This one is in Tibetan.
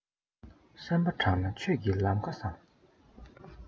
སེམས པ དྲང ན ཆོས ཀྱི ལམ ཁ ཟིན